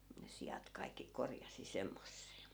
ne siat kaikki korjasi semmoiseen